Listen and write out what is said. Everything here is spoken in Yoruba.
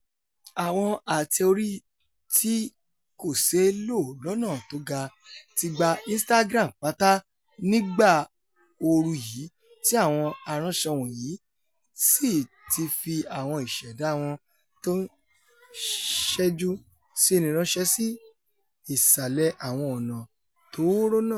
Àwọn ate-ori tí kòṣeé lò lọ́nà tóga ti gba Instagram pátá nígbà ooru yìí ti àwọn aránsọ wọ̀nyí sì ti fi àwọn ìṣẹ̀dá wọn tó ńṣẹ́jú síni ránṣẹ́ sí ìsàlẹ̀ àwọn ọ̀nà tóóró náa.